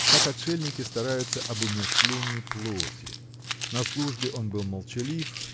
как отшельники стараются об умерщвлении плоти. На службе он был молчалив